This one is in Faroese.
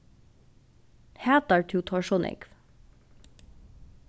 hatar tú teir so nógv